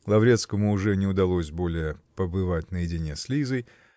Лаврецкому уже не удалось более побывать наедине с Лизой